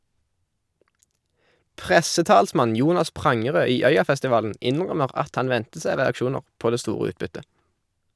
Pressetalsmann Jonas Prangerød i Øyafestivalen innrømmer at han ventet seg reaksjoner på det store utbyttet.